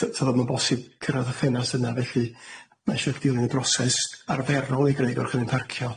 th- fasa fo ddim yn bosib cyrradd y ffenast felly mae isio dilyn y broses arferol i greu gorchymyn parcio